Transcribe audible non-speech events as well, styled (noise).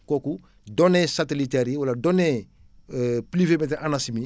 kooku données satélitaires yi wala données (hesitation) pluviométriques ANACIM yi